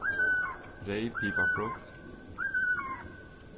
reyð piparfrukt